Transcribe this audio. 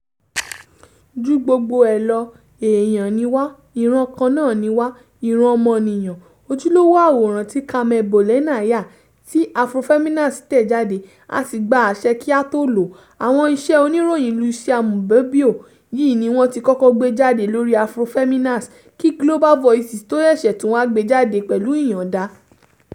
Ju gbogbo ẹ lọ, èèyàn ni wá, ìran kan náà ni wá, ìran ọmọniyàn. "Ojúlówó àwòrán tí Carmen Bolena yà, tí Afrofeminas tẹ jáde, a sì gbà àṣẹ kí a tó ló ó. Àwọn iṣẹ́ Oníròyìn Lucia Mbomío yìí ni wọ́n tí kọ́kọ́ gbé jáde lórí Afrofeminas kí Global Voices tó ṣẹ̀ṣẹ̀ tún wà gbe jáde pẹ̀lú ìyọ̀nda.